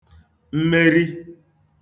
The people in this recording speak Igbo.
mmeri